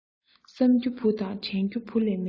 བསམ རྒྱུ བུ དང དྲན རྒྱུ བུ ལས མེད